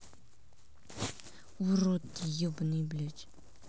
урод ты ебаный блядь